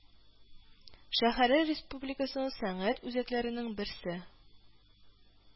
Шәһәре, республикасының сәнәгать үзәкләренең берсе